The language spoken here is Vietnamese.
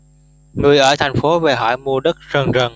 người ở thành phố về hỏi mua đất rần rần